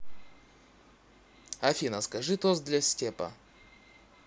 афина скажи тост для степа